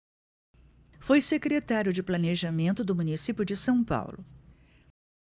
foi secretário de planejamento do município de são paulo